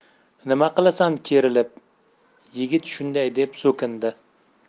nima qilasan kerili ib yigit shunday deb so'kindi